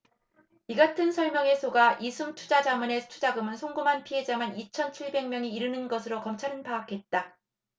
이 같은 설명에 속아 이숨투자자문에 투자금을 송금한 피해자만 이천 칠백 명이 이르는 것으로 검찰은 파악했다